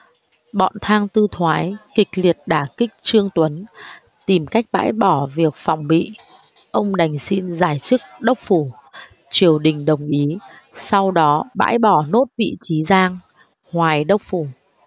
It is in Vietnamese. bọn thang tư thoái kịch liệt đả kích trương tuấn tìm cách bãi bỏ việc phòng bị ông đành xin giải chức đốc phủ triều đình đồng ý sau đó bãi bỏ nốt vị trí giang hoài đốc phủ